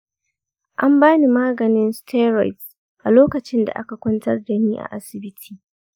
an ba ni maganin steroids a lokacin da aka kwantar da ni a asibiti.